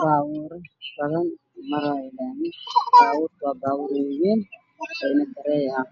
Baabuuro badan maraayo laami baabuurka waa baabuur waaweyn oo ina taree ah